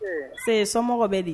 Unse somɔgɔw bɛ di